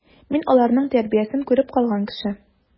Мин аларның тәрбиясен күреп калган кеше.